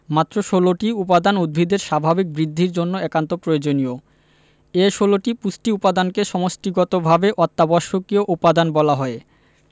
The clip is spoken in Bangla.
মাত্র ১৬টি উপাদান উদ্ভিদের স্বাভাবিক বৃদ্ধির জন্য একান্ত প্রয়োজনীয় এ ১৬টি পুষ্টি উপাদানকে সমষ্টিগতভাবে অত্যাবশ্যকীয় উপাদান বলা হয়